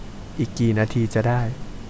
อีกกี่นาทีจะได้